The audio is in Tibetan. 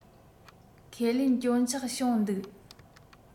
ཁས ལེན སྐྱོན ཆག བྱུང འདུག